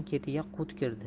ketiga quit kirdi